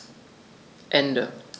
Ende.